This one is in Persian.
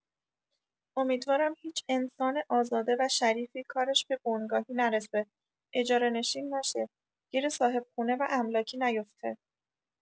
امیدوارم هیچ انسان آزاده و شریفی کارش به بنگاهی نرسه، اجاره‌نشین نشه، گیر صاحبخونه و املاکی نیفته.